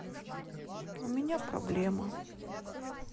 у меня проблема